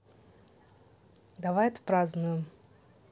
давай отпразднуем